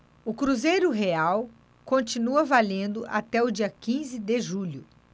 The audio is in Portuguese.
o cruzeiro real continua valendo até o dia quinze de julho